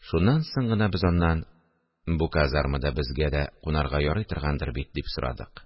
Шуннан соң гына без аннан: – Бу казармада безгә дә кунарга ярый торгандыр бит? – дип сорадык